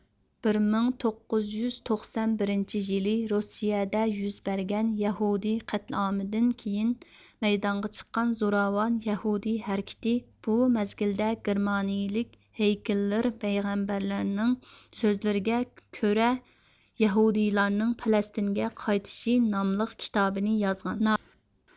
بىر مىڭ توققۇز يۈز توقسان توققۇزىنچى يىلى روسىيەدە يۈز بەرگەن يەھۇدىي قەتلىئامىدىن كېيىن مەيدانغا چىققان زوراۋان يەھۇدىي ھەرىكىتى بۇ مەزگىلدە گىرمانىيلىك ھېيكلېر پەيغەمبەرلەرنىڭ سۆزلىرىگە كۆرە يەھۇدىيلارنىڭ پەلەستىنگە قايتىشى ناملىق كىتابىنى يازغان